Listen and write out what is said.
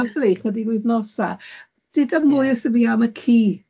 O, o, lyfli, ychydig o wythnose. Duda mwy wrtho fi am y ci?